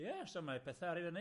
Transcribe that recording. Ie, so mae petha ar 'u fyny.